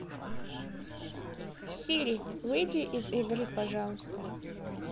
сири выйди из игры пожалуйста